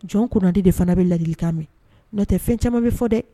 Jɔn kunnanadi de fana bɛ lalikan min n nɔ tɛ fɛn caman bɛ fɔ dɛ